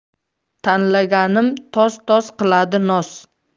tanlaganim toz toz qiladi noz